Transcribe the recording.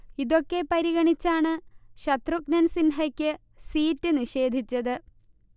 ഇതൊക്കെ പരിഗണിച്ചാണ് ശത്രുഘ്നൻ സിൻഹയ്ക്ക് സീറ്റ് നിഷേധിച്ചത്